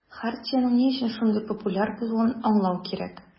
Хартиянең ни өчен шулай популяр булуын аңлау кирәк.